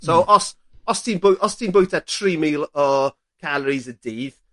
So os os ti'n bwy- os ti'n bwyta tri mil o calories y dydd,